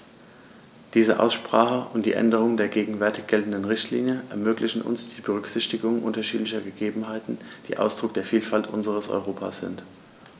Diese Aussprache und die Änderung der gegenwärtig geltenden Richtlinie ermöglichen uns die Berücksichtigung unterschiedlicher Gegebenheiten, die Ausdruck der Vielfalt unseres Europas sind.